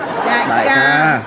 đại ca